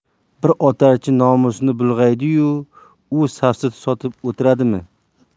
bir otarchi nomusini bulg'aydi yu u safsata sotib o'tiradimi